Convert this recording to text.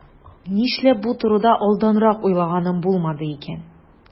Нишләп бу турыда алданрак уйлаганым булмады икән?